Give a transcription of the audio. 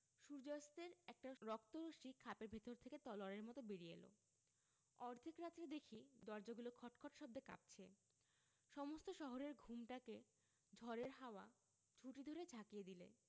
সূর্য্যাস্তের একটা রক্ত রশ্মি খাপের ভেতর থেকে তলোয়ারের মত বেরিয়ে এল অর্ধেক রাত্রে দেখি দরজাগুলো খটখট শব্দে কাঁপছে সমস্ত শহরের ঘুমটাকে ঝড়ের হাওয়া ঝুঁটি ধরে ঝাঁকিয়ে দিলে